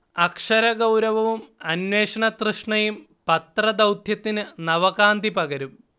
അക്ഷരഗൗരവവും അന്വേഷണ തൃഷ്ണയും പത്ര ദൗത്യത്തിന് നവകാന്തി പകരും